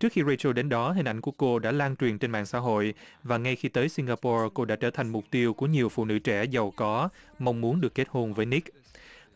trước khi rây chồ đến đó hình ảnh của cô đã lan truyền trên mạng xã hội và ngay khi tới sin ga po cô đã trở thành mục tiêu của nhiều phụ nữ trẻ giàu có mong muốn được kết hôn với ních